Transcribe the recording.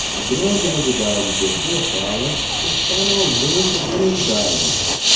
a grande novidade de sua fala está na ausência de novidades